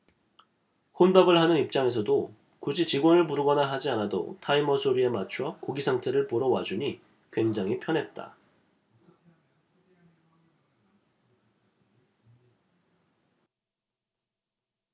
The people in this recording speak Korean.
혼밥을 하는 입장에서도 굳이 직원을 부르거나 하지 않아도 타이머 소리에 맞춰 고기 상태를 보러 와주니 굉장히 편했다